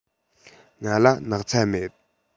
ང ལ སྣག ཚ མེད